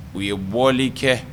U ye bɔli kɛ